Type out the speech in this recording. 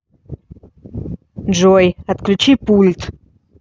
джой отключи пульт